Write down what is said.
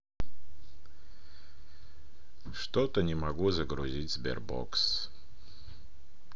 что то не могу загрузить sberbox